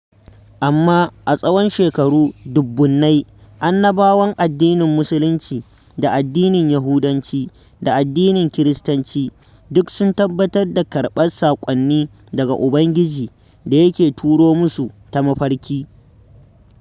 Amma a tsahon shekaru dubunnai, annabawan addinin Musulunci da addinin Yahudanci da addinin Kiristanci duk sun tabbatar da karɓar saƙonni daga Ubangiji da yake turo musu ta mafarki.